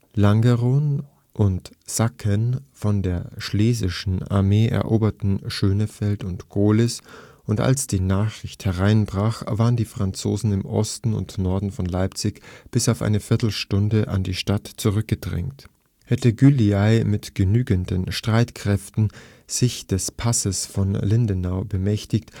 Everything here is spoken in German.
Langeron und Sacken von der Schlesischen Armee eroberten Schönefeld und Gohlis, und als die Nacht hereinbrach, waren die Franzosen im Osten und Norden von Leipzig bis auf eine Viertelstunde an die Stadt zurückgedrängt. Hätte Gyulay mit genügenden Streitkräften sich des Passes von Lindenau bemächtigt